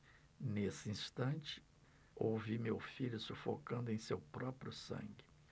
nesse instante ouvi meu filho sufocando em seu próprio sangue